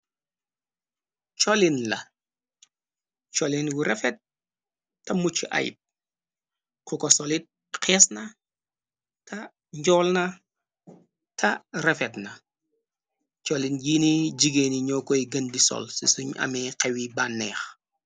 Cholin la cholin wu refet ta mucci ayeb ku ko solit xees na ta njoolna ta refetna cholin jiini jigéeni ñoo koy gën di sol ci suñ amee xewi banneex.